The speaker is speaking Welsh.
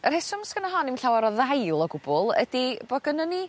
y rheswm sgenno hon ddim llawar o ddail o gwbwl ydi bo' gynnon ni